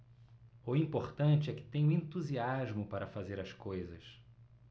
o importante é que tenho entusiasmo para fazer as coisas